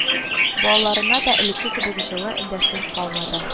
Балаларына да элекке кебек җылы эндәшүе калмады